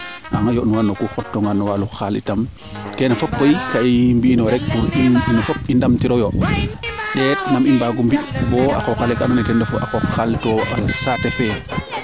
a yond nooxa no ku xot toona no walu xaal itam keene fop tam ka i mbi'inoyo rek pour in fop i ndam tiroyo teyit nam i mbaagu mbi bo a qoqale ke ando anye ten refu a qooq xaal to saate fe